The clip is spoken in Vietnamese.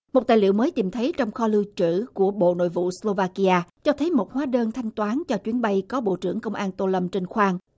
một tài liệu mới tìm thấy trong kho lưu trữ của bộ nội vụ sô va ki a cho thấy một hóa đơn thanh toán cho chuyến bay có bộ trưởng công an tô lâm trên khoang